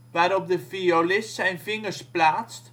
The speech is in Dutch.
waarop de violist zijn vingers plaatst